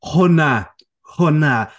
Hwnna! Hwnna!